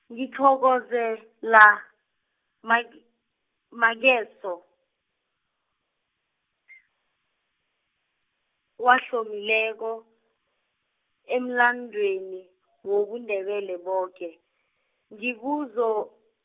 ngithokozelamak- -makeso , wahlomileko, emlandweni, wobuNdebele boke, ngibuzo-.